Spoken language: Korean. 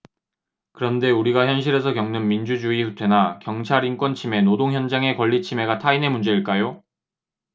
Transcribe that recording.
그런데 우리가 현실에서 겪는 민주주의 후퇴나 경찰 인권침해 노동현장의 권리침해가 타인의 문제일까요